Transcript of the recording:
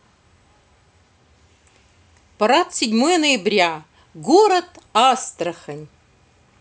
парад седьмое ноября город астрахань